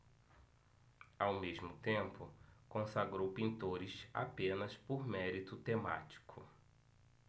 ao mesmo tempo consagrou pintores apenas por mérito temático